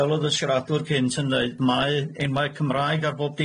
fel odd y siaradwr cynt yn deud mae enwau Cymraeg ar bob dim